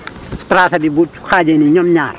tracée bi bu xaajee nii ñoom ñaar